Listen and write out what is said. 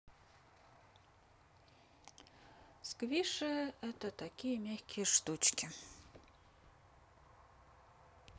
сквиши это такие мягкие штучки